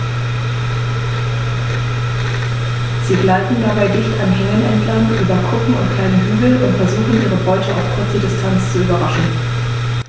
Sie gleiten dabei dicht an Hängen entlang, über Kuppen und kleine Hügel und versuchen ihre Beute auf kurze Distanz zu überraschen.